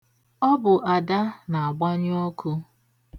Ọ bụ Ada na-agbanyụ ọkụ.